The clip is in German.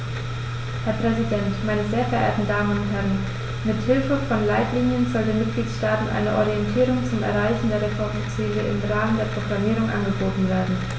Herr Präsident, meine sehr verehrten Damen und Herren, mit Hilfe von Leitlinien soll den Mitgliedstaaten eine Orientierung zum Erreichen der Reformziele im Rahmen der Programmierung angeboten werden.